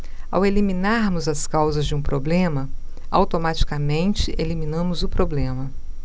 ao eliminarmos as causas de um problema automaticamente eliminamos o problema